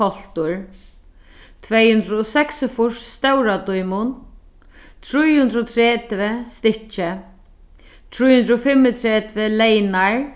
koltur tvey hundrað og seks og fýrs stóra dímun trý hundrað og tretivu stykkið trý hundrað og fimmogtretivu leynar